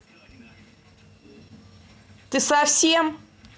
ты совсем